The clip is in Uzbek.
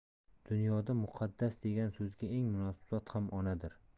dunyoda muqaddas degan so'zga eng munosib zot ham onadir